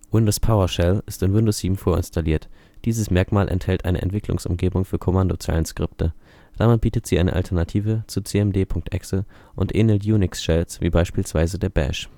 Windows PowerShell ist in Windows 7 vorinstalliert. Dieses Merkmal enthält eine Entwicklungsumgebung für Kommandozeilen-Skripte. Damit bietet sie eine Alternative zu cmd.exe und ähnelt UNIX-Shells wie beispielsweise der Bash